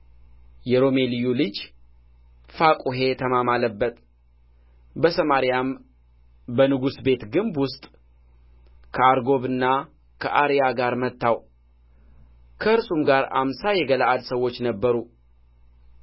የሮሜልዩ ልጅ ፋቁሔ ተማማለበት በሰማርያም በንጉሡ ቤት ግንብ ውስጥ ከአርጎብና ከአርያ ጋር መታው ከእርሱም ጋር አምሳ የገለዓድ ሰዎች ነበሩ